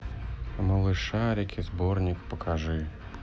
малышарики сборник покажи